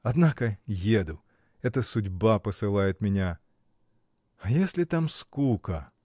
) Однако еду: это судьба посылает меня. А если там скука?